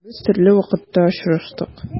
Без төрле вакытта очраштык.